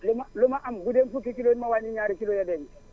li ma li ma am bu doon fukki kilos it ma wàññi ñaari kilos ya denc